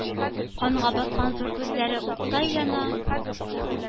Канга баткан зур күзләре уттай яна.